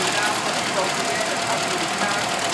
naam van een populaire Amerikaanse